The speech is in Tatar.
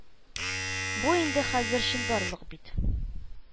Бу инде хәзер чынбарлык бит